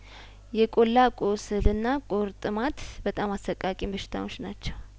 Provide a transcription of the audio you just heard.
የቆላ ቁስልና ቁርጥማት በጣም አሰቃቂ በሽታዎች ናቸው